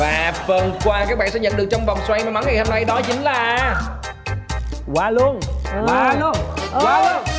và phần quà các bản sẽ nhẩn được trong vòng xoay may mắng ngày hôm nay đó chính là ua luông ua luông ua luông